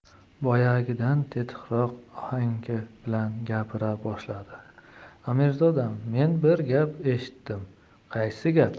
boyagidan tetikroq ohang bilan gapira boshladi amirzodam men bir gap eshitdim qaysi gap